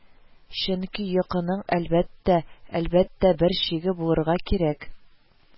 Чөнки йокының, әлбәттә, әлбәттә, бер чиге булырга кирәк